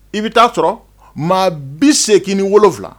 I bɛ taaa sɔrɔ maa bi segin k'i ni wolo wolonwula